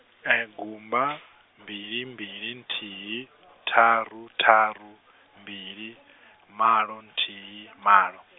gumba , mbili mbili nthihi ṱharu ṱharu, mbili , malo nthihi malo.